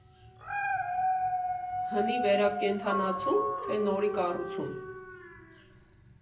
Հնի վերակենդանացու՞մ, թե՞ նորի կառուցում։